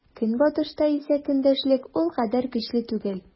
Көнбатышта исә көндәшлек ул кадәр көчле түгел.